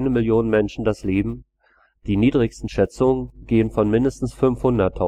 Menschen das Leben, die niedrigsten Schätzungen gehen von mindestens 500.000